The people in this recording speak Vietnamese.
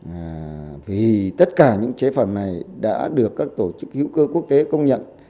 là thì tất cả những chế phẩm này đã được các tổ chức hữu cơ quốc tế công nhận